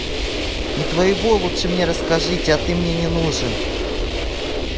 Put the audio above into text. не твоего лучше мне расскажите а ты мне не нужен